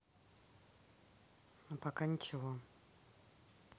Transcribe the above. ну пока ничего